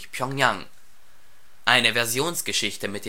Straßenbahn Zürich stammen